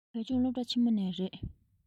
བོད ལྗོངས སློབ གྲྭ ཆེན མོ ནས རེད